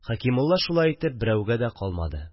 Хәкимулла шулай итеп берәүгә дә калмады